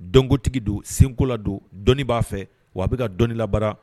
Dɔnkotigi don senkola don dɔnni b'a fɛ wa a bɛ ka dɔnni la baara